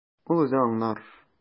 Ул үзе аңлар.